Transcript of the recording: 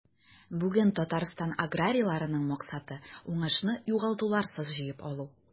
Бүген Татарстан аграрийларының максаты – уңышны югалтуларсыз җыеп алу.